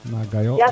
naga yo